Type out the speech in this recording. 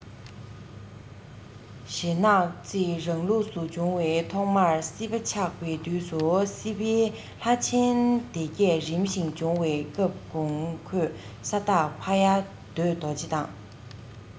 ཞེས ནག རྩིས རང ལུགས སུ བྱུང བའི ཐོག མར སྲིད པ ཆགས པའི དུས སུ སྲིད པའི ལྷ ཆེན སྡེ བརྒྱད རིམ བཞིན བྱུང བའི སྐབས གོང འཁོད ས བདག ཕ ཡ བདུད རྡོ རྗེ དང